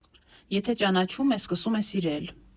Եթե ճանաչում է, սկսում է սիրել։